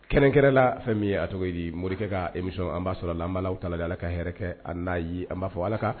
Kɛkɛ la fɛn min ye a cogo morikɛ ka emisɔn an b'a sɔrɔ la an b'aw tala ala ka hɛrɛ an n'a ye an b'a fɔ ala kan